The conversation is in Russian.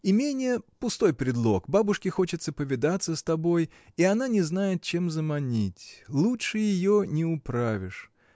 Имение — пустой предлог: бабушке хочется повидаться с тобой, и она не знает, чем заманить. Лучше ее не управишь.